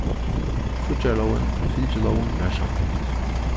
fíggjarlógin við fylgilógum varð samtykt